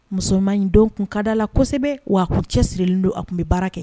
Musoma in don tun ka di a la kosɛbɛ wa a tun cɛ sirilen don a tun bɛ baara kɛ.